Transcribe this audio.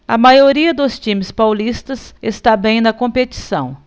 a maioria dos times paulistas está bem na competição